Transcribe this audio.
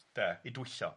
de, i dwyllo.